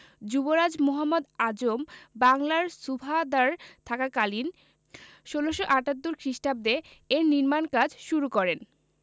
যুবরাজ মুহম্মদ আজম বাংলার সুবাহদার থাকাকালীন ১৬৭৮ খ্রিস্টাব্দে এর নির্মাণ কাজ শুরু করেন